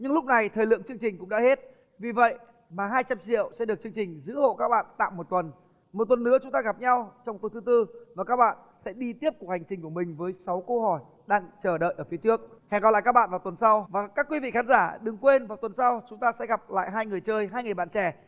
nhưng lúc này thời lượng chương trình cũng đã hết vì vậy mà hai trăm triệu sẽ được chương trình giữ hộ các bạn tạm một tuần một tuần nữa chúng ta gặp nhau trong tối thứ tư và các bạn sẽ đi tiếp cuộc hành trình của mình với sáu câu hỏi đang chờ đợi ở phía trước hẹn gặp lại các bạn vào tuần sau và các quý vị khán giả đừng quên vào tuần sau chúng ta sẽ gặp lại hai người chơi hai người bạn trẻ